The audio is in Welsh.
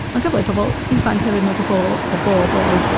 Mae'n gyfle i pobl ifanc hefyd, mae pobl o bob oed.